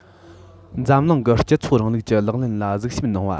འཛམ གླིང གི སྤྱི ཚོགས རིང ལུགས ཀྱི ལག ལེན ལ གཟིགས ཞིབ གནང བ